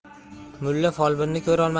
mulla folbinni ko'rolmas